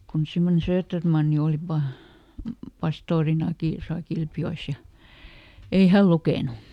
kun semmoinen Söderman oli - pastorinakin tuossa Kilpijoessa ja ei hän lukenut